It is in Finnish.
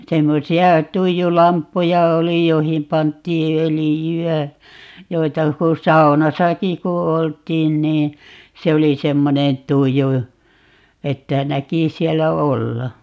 semmoisia tuijulamppuja oli joihin pantiin öljyä joita kun saunassakin kun oltiin niin se oli semmoinen tuju että näki sillä olla